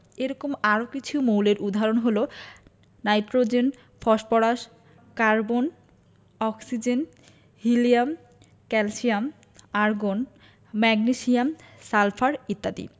এরকম আরও কিছু মৌলের উদাহরণ হলো nitrogen phosphorus carbon oxygen helium calcium argon magnesium sulphur ইত্যাদি